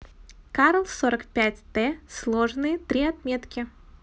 карл сорок пять т сложные три отметки